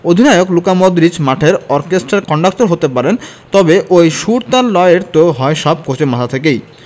অধিনায়ক Luka Modric মাঠের অর্কেস্ট্রার কন্ডাক্টর হতে পারেন তবে ওই সুর তাল লয়ের তো হয় সব কোচের মাথা থেকেই